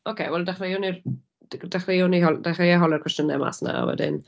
Ocê wel dechreuwn ni'r d- dechreuwn hol- dechreua i holi'r cwestiynnau mas 'na wedyn.